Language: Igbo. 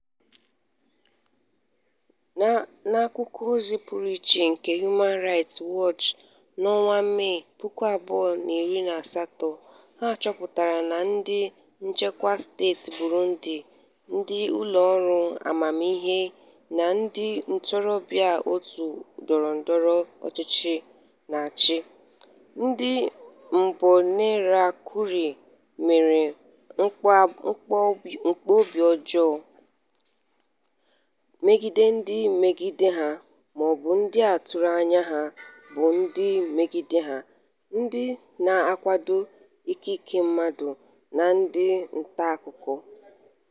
N'akụkọozi pụrụ iche nke Human Rights Watch n'ọnwa Mee 2018 ha chọpụtara na ndị nchekwa steeti Burundi, ndị ụlọọrụ amamiihe, na ndị ntorobịa òtù ndọrọndọrọ ọchịchị na-achị, ndị Imbonerakure, mere mwakpo obi ọjọọ imegide ndị mmegide ha mọọbụ ndị a tụrụ anya na ha bụ ndị mmegide ha, ndị na-akwado ikike mmadụ, na ndị ntaakụkọ.